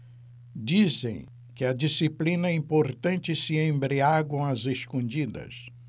dizem que a disciplina é importante e se embriagam às escondidas